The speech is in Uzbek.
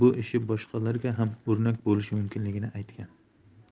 bu ishi boshqalarga ham o'rnak bo'lishi mumkinligini aytgan